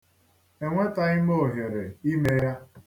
Enwetaghị m ohere ime ya.